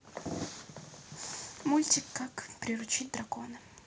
мультик как приучить дракона